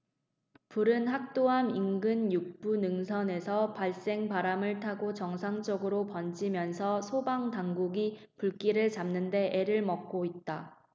불은 학도암 인근 육 부 능선에서 발생 바람을 타고 정상 쪽으로 번지면서 소방당국이 불길을 잡는 데 애를 먹고 있다